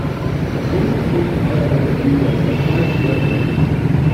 @gr33ndata : Rain cleans there everywhere but not here in Egypt.